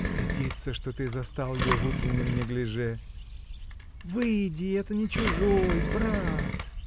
— Стыдится, что ты застал ее в утреннем неглиже. Выйди, это не чужой — брат.